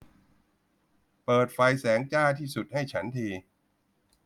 เปิดไฟแสงจ้าที่สุดให้ฉันที